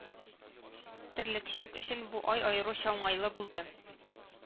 Терлекчелек өчен бу әй аеруча уңайлы булды